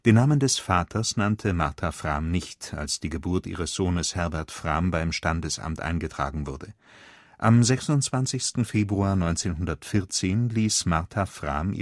Namen des Vaters nannte Martha Frahm nicht, als die Geburt ihres Sohnes Herbert Frahm beim Standesamt eingetragen wurde. Am 26. Februar 1914 ließ Martha Frahm